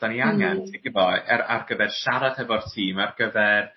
'dan ni angen ti gwbo er- ar gyfer siarad hefo'r tîm ar gyfer